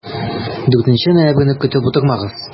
4 ноябрьне көтеп утырмагыз!